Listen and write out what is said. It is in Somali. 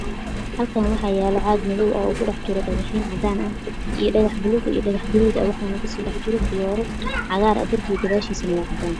Halkan waxa yaalo madow ah Oo ku dhex jiro dhagax cad gadud baluug waxana ku sii dhax jiro falower cagar ah